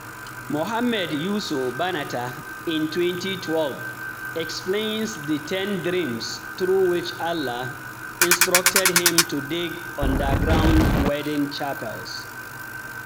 Mohammed Yiso Banatah in 2012 explains the ten dreams through which Allah instructed him to dig underground wedding chapels.